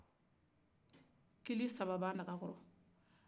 kili saba bɛ a naka kɔrɔ